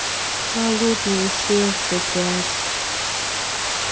холодное сердце пять